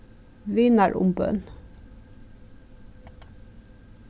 vinarumbøn